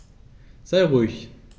Sei ruhig.